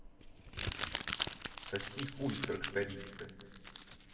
соси хуй у тракториста